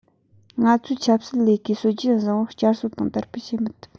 ང ཚོའི ཆབ སྲིད ལས ཀའི སྲོལ རྒྱུན བཟང པོ བསྐྱར གསོ དང དར སྤེལ བྱེད མི ཐུབ